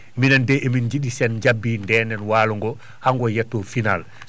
minen de emin jiiɗi se jabbi ndenen walo ngo hago yetto final